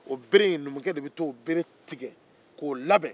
o bere numukɛ de bɛ taa o bere tigɛ k'o labɛn